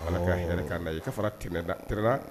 Bamanankan hinɛ ye i ka tla